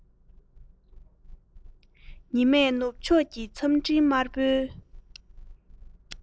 ཉི མས ནུབ ཕྱོགས ཀྱི མཚམས སྤྲིན དམར པོའི